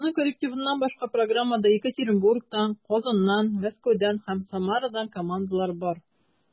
Аның коллективыннан башка, программада Екатеринбургтан, Казаннан, Мәскәүдән һәм Самарадан командалар бар.